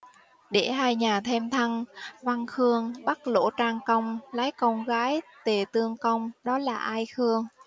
để hai nhà thêm thân văn khương bắt lỗ trang công lấy con gái tề tương công đó là ai khương